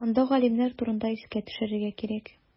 Монда галимнәр турында искә төшерергә кирәк.